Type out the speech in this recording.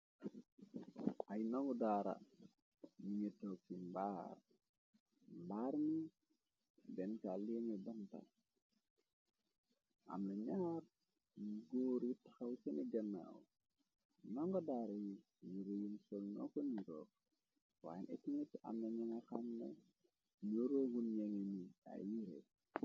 ay nango daara minge toog ci mbaar mbaar mi denka leene bënta amna ñaar góorit yu tahxaw seni gannaaw nango daara yi yu rëyul sol ñooka nuroog waayé neknet amna ñanga xanne ñoroogun yenge ni ay yiree.